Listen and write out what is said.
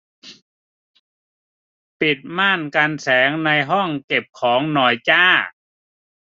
ปิดม่านกันแสงในห้องเก็บของหน่อยจ้า